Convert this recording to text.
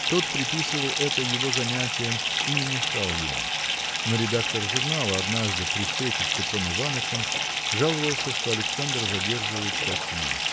Тот приписывал это его занятиям и не мешал ему. Но редактор журнала однажды при встрече с Петром Иванычем жаловался что Александр задерживает статьи.